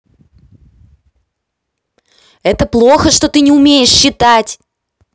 это плохо что ты не умеешь считать